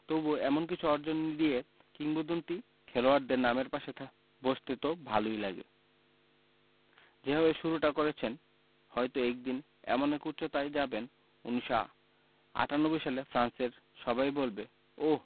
তবু এমন কিছু অর্জন দিয়ে কিংবদন্তি খেলোয়াড়দের নামের পাশে বসতে তো ভালোই লাগে যেভাবে শুরুটা করেছেন হয়তো একদিন এমন এক উচ্চতায় যাবেন ১৯৯৮ সালে ফ্রান্সের সবাই বলবে ওহ্